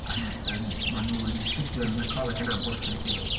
Ac yym maen nhw yn ddisgyblion yn y coleg yna am bwt yn y llyfr.